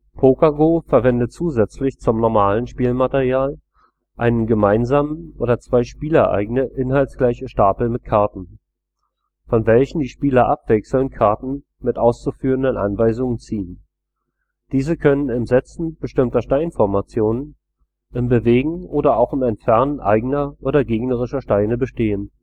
Poker-Go verwendet zusätzlich zum normalen Spielmaterial einen gemeinsamen oder zwei spielereigene inhaltsgleiche Stapel mit Karten, von welchen die Spieler abwechselnd Karten mit auszuführenden Anweisungen ziehen. Diese können im Setzen bestimmter Steinformationen, im Bewegen oder auch im Entfernen eigener oder gegnerischer Steine bestehen